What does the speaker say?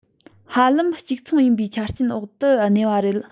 ཧ ལམ གཅིག མཚུངས ཡིན པའི ཆ རྐྱེན འོག ཏུ གནས པ རེད